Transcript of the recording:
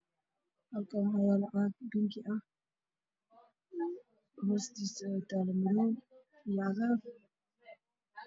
Halkan waxaa yaallo caano rinji ah hoose tahay madow iyo cagaar